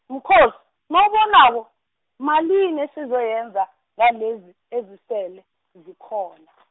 mkhozi nawubonako, malini esizoyenza ngalezi, ezisele zikhona.